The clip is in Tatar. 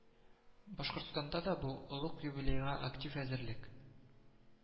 Башкортстанда да бу олуг юбилейга актив әзерлек